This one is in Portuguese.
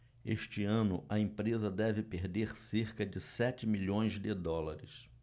este ano a empresa deve perder cerca de sete milhões de dólares